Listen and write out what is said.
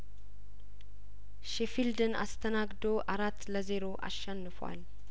ሼፊልድን አስተናግ ዶ አራት ለዜሮ አሸንፏል